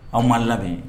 Anw ma labɛn